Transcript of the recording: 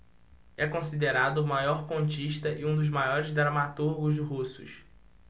é considerado o maior contista e um dos maiores dramaturgos russos